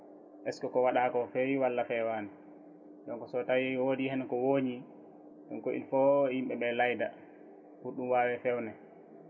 est ce que ko waɗa ko fewi walla fewani donc so tawi wwodi hen ko ooñi ɗum ko il faut yimɓeɓe laaya pour ɗum wawe fewne